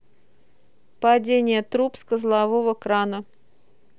падение труб с козлового крана